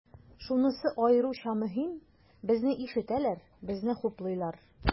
Шунысы аеруча мөһим, безне ишетәләр, безне хуплыйлар.